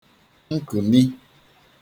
nkùni